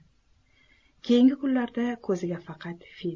keyingi kunlarda ko'ziga faqat fid